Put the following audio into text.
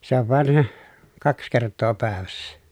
se on vain kaksi kertaa päivässä